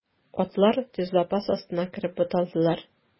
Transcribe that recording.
Атлар төз лапас астына кереп буталдылар.